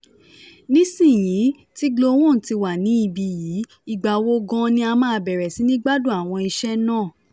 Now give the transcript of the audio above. Nísìnyìí tí Glo-1 ti wà ní ibì yìí, ìgbà wo gan ni a máa bẹ̀rẹ̀ sí ní gbádùn àwọn iṣẹ́ náà?